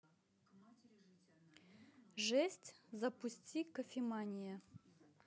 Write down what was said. жесть запусти кофемания